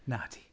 Na 'di!